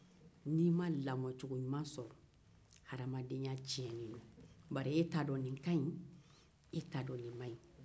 n'i ma lamɔcogo ɲumana sɔrɔ hadamadenya tiɲɛnen don bari e t'a dɔn nin ka ɲi e t'a dɔn nin man ɲi